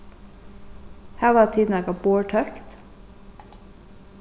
hava tit nakað borð tøkt